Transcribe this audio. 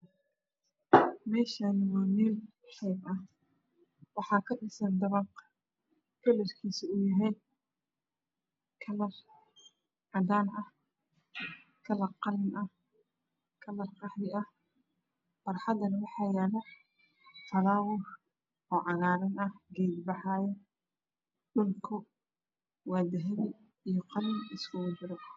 Meeshaan waa meel xeeb ah waxaa ka dhisan dabaq, kararkiisu uu yahay karar cadaan ah, karar qallin ah, karar khahwi ah barxadana waxaa yaalo falaawur oo cadaaran ah gees baxa dhulku waa dahabi iyo qallin iskugu jiro.